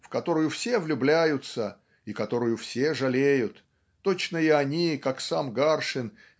в которую все влюбляются и которую все жалеют точно и они как сам Гаршин